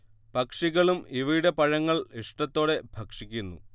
പക്ഷികളും ഇവയുടെ പഴങ്ങൾ ഇഷ്ടത്തോടെ ഭക്ഷിക്കുന്നു